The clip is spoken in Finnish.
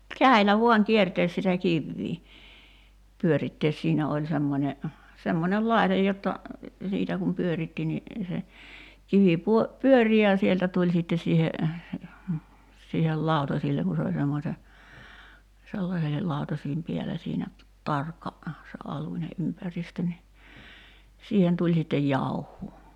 käsillä vain kiertää sitä kiveä pyörittää siinä oli semmoinen semmoinen laite jotta siitä kun pyöritti niin se kivi - pyöri ja sieltä tuli sitten siihen siihen lautasille kun se oli semmoisen sellaisen lautasien päällä siinä tarkka se alunen ympäristö niin siihen tuli sitten jauhoa